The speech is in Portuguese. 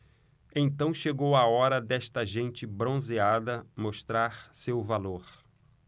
então chegou a hora desta gente bronzeada mostrar seu valor